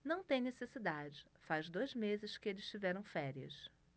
não tem necessidade faz dois meses que eles tiveram férias